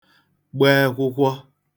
gba ekwụkwọ